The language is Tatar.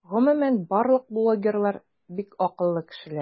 Гомумән барлык блогерлар - бик акыллы кешеләр.